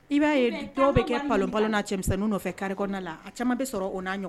I b'a ye dɔw be kɛ palon palon na cɛmisɛnnu nɔfɛ carré kɔɔna la a caman be sɔrɔ o n'a ɲɔg